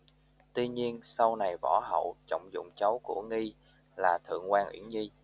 tuy nhiên sau này võ hậu trọng dụng cháu của nghi là thượng quan uyển nhi